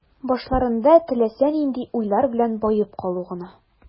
Башларында теләсә нинди юллар белән баеп калу гына.